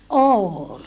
oli